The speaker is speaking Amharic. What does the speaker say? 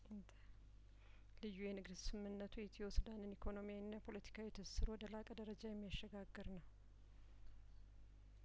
ልዩ የንግድ ስምምነቱ የኢትዮ ሱዳንን ኢኮኖሚያዊና ፖለቲካዊ ትስስር ወደ ላቀ ደረጃ የሚያሸጋግር ነው